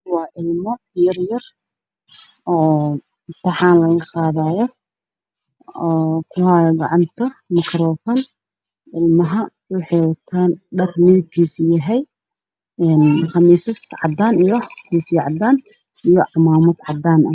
Waa ilmo yar yar oo meel taagan waxay wataan qamiisyo cadaan ah iyo koofiyada cadaan labo kamid ahna waxay haystaan makaroofan